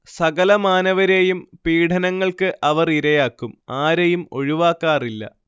സകലമാനവരെയും പീഢനങ്ങൾക്ക് അവർ ഇരയാക്കും. ആരെയും ഒഴിവാക്കാറില്ല